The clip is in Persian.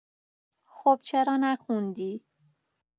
خب چرا نخوندی؟